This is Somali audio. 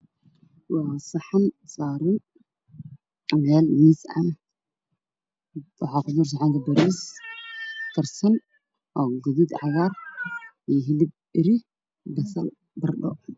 Waa saxan saaran meel sare waxaa kor saaran hilib iyo barandho